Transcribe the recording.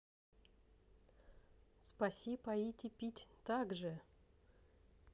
спаси поите пить также